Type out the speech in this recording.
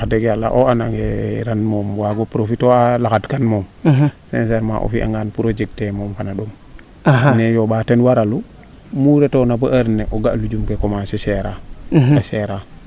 wax deg yala o anange ran moom waago profiter oxa laxad kan moom sincerement o fiya ngaan pour o jeg tee moom xana ɗom axa ne yooɓa ten waralu mu retona bo heure nene o ga lujum ke commencer chere a a chere a